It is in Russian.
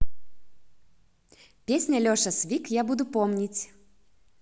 песня леша свик я буду помнить